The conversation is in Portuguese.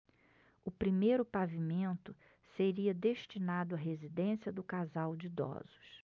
o primeiro pavimento seria destinado à residência do casal de idosos